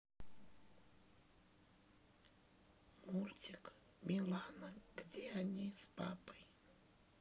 мультик милана где они с папой